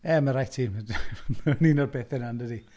Ie, mae'n rhaid ti- . Mae'n un o'r bethau yna, yn dydy.